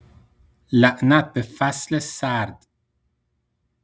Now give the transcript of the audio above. لعنت به فصل سرد